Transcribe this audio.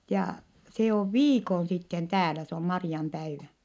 ja se on viikon sitten täällä se on Marianpäivä